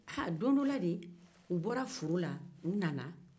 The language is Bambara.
aa don dɔ la de u bɔra foro la u nana